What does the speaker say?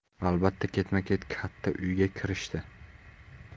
albatta ketma ket katta uyga kirishdi